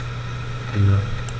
Ende.